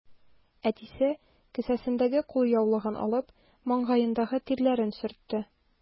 Әтисе, кесәсендәге кулъяулыгын алып, маңгаендагы тирләрен сөртте.